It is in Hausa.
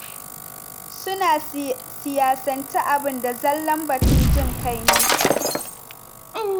“Su na siyasance abun da zallan batun jin kai ne.”